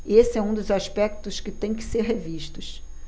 esse é um dos aspectos que têm que ser revistos